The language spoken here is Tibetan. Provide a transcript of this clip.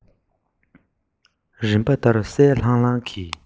རིམ པར གསལ ལྷང ལྷང གི